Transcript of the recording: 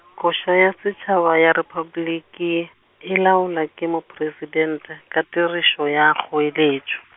koša ya setšhaba ya Repabliki, e laolwa ke mopresitente ka tirišo ya kgoeletšo.